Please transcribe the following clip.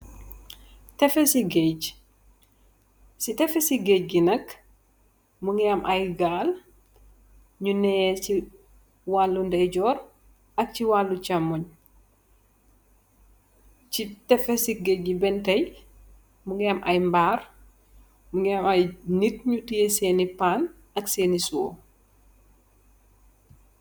Tefessu gaaj, ci tefes ngi gaaj gi nak mugii am ay gàl ñu neheh ci walu daijor ak ci walu camooy, ci tefes gaaj gi ban tay mugii am ay mbarr mugii nit ñu teyeh sèèn pan ak sèèn siwo.